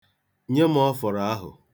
Nye m ọfọrọ ahụ.